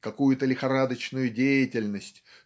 какую-то лихорадочную деятельность